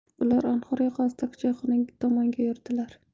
ular anhor yoqasidagi choyxona tomonga yurdilar